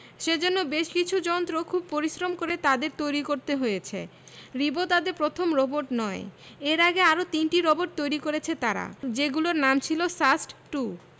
সেজন্য বেশ কিছু যন্ত্র খুব পরিশ্রম করে তাদের তৈরি করতে হয়েছে রিবো তাদের প্রথম রোবট নয় এর আগে আরও তিনটি রোবট তৈরি করেছে তারা যেগুলোর নাম ছিল সাস্ট টু